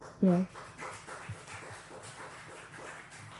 Ie.